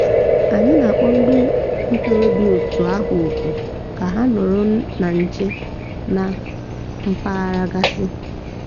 Anyị na-akpọ ndị ntorobịa òtù ahụ òkù ka ha nọrọ na nche na mpaghara gasị.